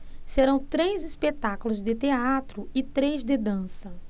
serão três espetáculos de teatro e três de dança